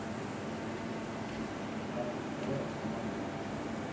как устроят самолет